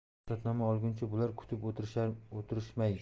ruxsatnoma olguncha bular kutib o'tirishmaydi